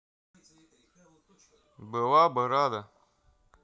была бы рада